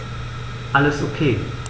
Alles OK.